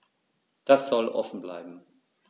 Das soll offen bleiben.